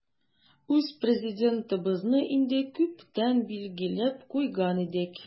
Үз Президентыбызны инде күптән билгеләп куйган идек.